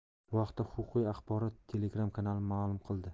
bu haqda huquqiy axborot telegram kanali ma'lum qildi